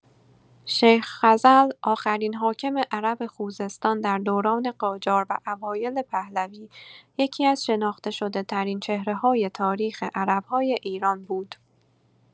شیخ خزعل، آخرین حاکم عرب خوزستان در دوران قاجار و اوایل پهلوی، یکی‌از شناخته‌شده‌ترین چهره‌های تاریخ عرب‌های ایران بود.